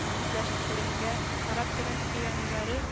Үзләштерергә, гарәп телен өйрәнүләре